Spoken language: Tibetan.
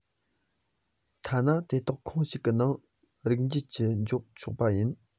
ཐ ན དེ དག ཁོངས གཅིག གི ནང རིགས འབྱེད དེ འཇོག ཆོག པ ཡིན